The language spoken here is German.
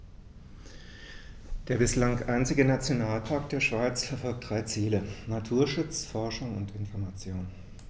Der bislang einzige Nationalpark der Schweiz verfolgt drei Ziele: Naturschutz, Forschung und Information.